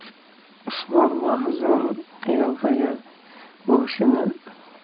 usmon mahzun qiyofada